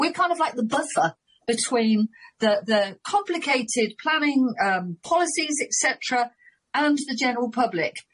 We're kind of like the buffer between the the complicated planning um policies et cetera and the general public.